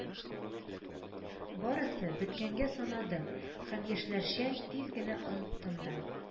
Барысы беткәнгә санадым һәм яшьләрчә тиз генә оныттым да